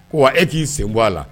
Ko wa e k'i sen bɔ a la